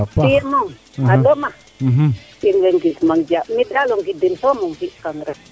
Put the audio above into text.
tiyo moom a ɗoma in mboy ngind mang Diand mi daal o ngidim somo fi kang daal